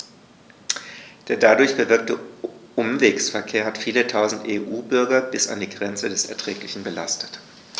Der dadurch bewirkte Umwegsverkehr hat viele Tausend EU-Bürger bis an die Grenze des Erträglichen belastet.